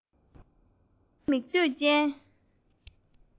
མི དམངས ཀྱིས ལོང བ མིག འདོད ཅན